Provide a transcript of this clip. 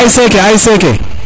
ASC ke ASC